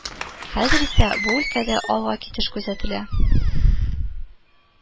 Хәзер исә бу өлкәдә алга китеш күзәтелә